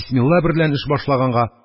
Бисмилла берлән эш башлаганга